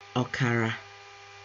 okara